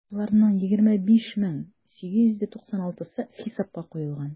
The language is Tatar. Шуларның 25 мең 896-сы хисапка куелган.